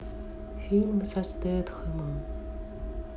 фильмы со стетхемом